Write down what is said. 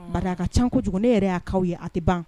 Bari a ka ca kojugu ne yɛrɛ y'a cas ye a tɛ ban.